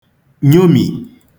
nyomi